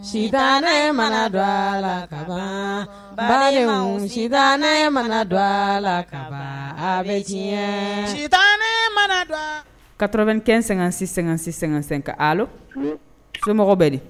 Su mana dɔgɔ la ka balima sitan mana dɔgɔ la ka bɛ mana ka tto kɛ sɛgɛn sisan sɛgɛn sisan sɛgɛnka ala somɔgɔw bɛ de